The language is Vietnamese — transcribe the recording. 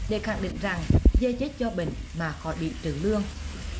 để khẳng định rằng dê chết do bệnh mà khỏi bị trừ lương